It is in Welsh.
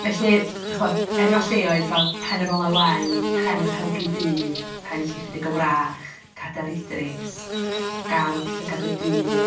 Felly, dachibod enwau lleoedd fel Pen yr Ola Wen, Pen yr Helgi Du, Pen Llithrig y Wrach, Cadair Idris, Gardd Llygad y Dydd.